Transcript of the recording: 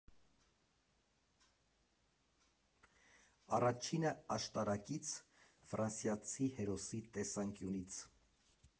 Առաջինը՝ աշտարակից՝ ֆրանսիացի հերոսի տեսանկյունից։